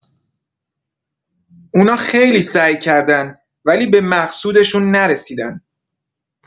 اونا خیلی سعی کردن ولی به مقصودشون نرسیدن.